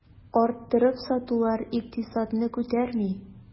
Арттырып сатулар икътисадны күтәрми.